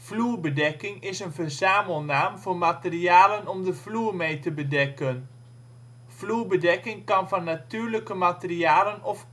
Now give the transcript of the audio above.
Vloerbedekking is een verzamelnaam voor materialen om de vloer mee te bedekken. Vloerbedekking kan van natuurlijke materialen of